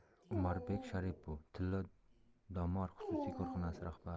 umarbek sharipov tillo domor xususiy korxonasi rahbari